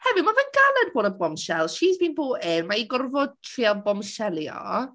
Hefyd ma' fe'n galed bod yn bombshells, she's been brought in mae hi'n gorfod trio bomshelio.